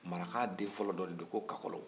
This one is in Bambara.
maraka den fɔlɔ dɔ de don ko kakɔlɔ